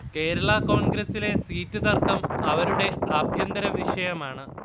കേരള കോണ്ഗ്രസിലെ സീറ്റ് തർക്കം അവരുടെ ആഭ്യന്തര വിഷയമാണ്